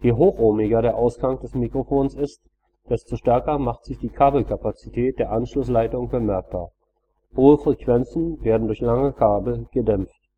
hochohmiger der Ausgang des Mikrofons ist, desto stärker macht sich die Kabelkapazität der Anschlussleitung bemerkbar: hohe Frequenzen werden durch lange Kabel gedämpft